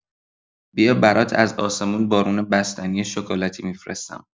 بیا برات از آسمون بارون بستنی شکلاتی می‌فرستم.